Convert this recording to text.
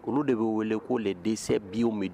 Olu de be wele ko les décès bio med